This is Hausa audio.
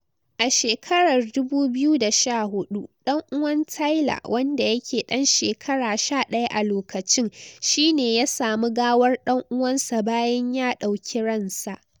A shekarar 2014, ɗan'uwan Tyler, wanda yake dan shekara 11 a lokacin, shi ne ya sami gawar dan uwansa bayan ya ɗauki ransa.